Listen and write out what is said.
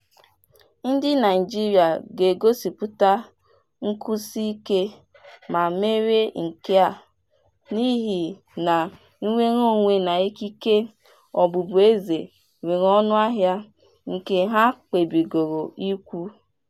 Ndị Naịjirịa ga-egosipụta nkwụsiike ma merie nke a n'ihi na nnwereonwe na ikike ọbụbụeze nwere ọnụ ahịa nke ha kpebigoro ịkwụ.